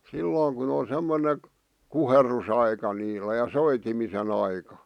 silloin kun on semmoinen kuherrusaika niillä ja soitimisen aika